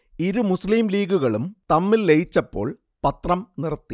ഇരു മുസ്ലിം ലീഗുകളും തമ്മിൽ ലയിച്ചപ്പോൾ പത്രം നിർത്തി